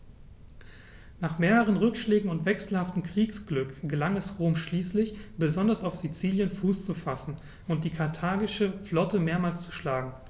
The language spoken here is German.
Nach mehreren Rückschlägen und wechselhaftem Kriegsglück gelang es Rom schließlich, besonders auf Sizilien Fuß zu fassen und die karthagische Flotte mehrmals zu schlagen.